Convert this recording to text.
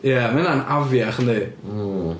Ia, ma' hynna'n afiach, yndi... mm...